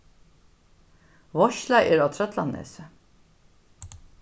veitsla er á trøllanesi